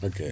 ok